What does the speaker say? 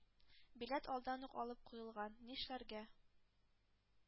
Билет алдан ук алып куелган. Нишләргә?